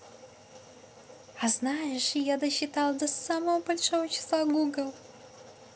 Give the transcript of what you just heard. а знаешь я досчитала до самого большого числа google